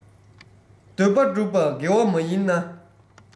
འདོད པ སྒྲུབ པ དགེ བ མ ཡིན ན